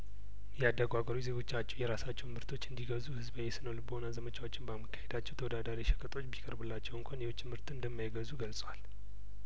ያደጉ አገሮች ዜጐቻቸው የራሳቸውን ምርቶች እንዲ ገዙ ህዝባዊ የስነልቦና ዘመቻዎችን በማካሄዳቸው ተወዳዳሪ ሸቀጦች ቢቀርቡላቸው እንኳን የውጭ ምርት እንደማይገዙ ገልጸዋል